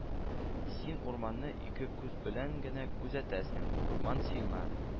Син урманны ике күз белән генә күзәтәсең, урман сиңа